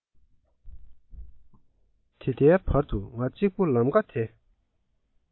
ད ལྟའི བར དུ ང གཅིག པུ ལམ ཀ དེ